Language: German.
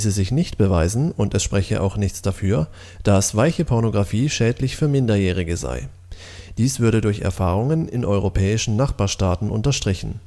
sich nicht beweisen und es spreche auch nichts dafür, dass weiche Pornografie schädlich für Minderjährige sei. Dies würde durch die Erfahrungen in europäischen Nachbarstaaten unterstrichen